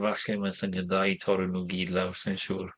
Efallai mae'n syniad dda i torri nhw gyd lawr, sa i'n siŵr.